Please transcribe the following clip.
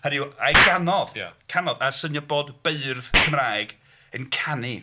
Hynny yw a'i ganodd... ia. ...canodd, a'r syniad bod beirdd Cymraeg yn canu.